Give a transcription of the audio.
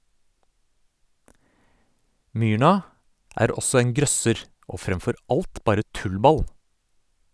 Myrna er også en grøsser, og fremfor alt bare tullball.